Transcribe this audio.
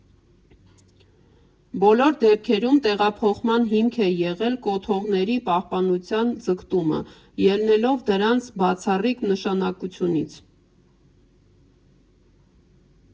Բոլոր դեպքերում տեղափոխման հիմք է եղել կոթողների պահպանության ձգտումը՝ ելնելով դրանց բացառիկ նշանակությունից։